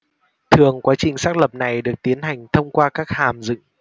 thường quá trình xác lập này được tiến hành thông qua các hàm dựng